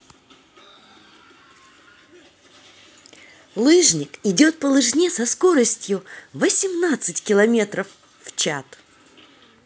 лыжник идет по лыжне со скоростью восемнадцать километров чат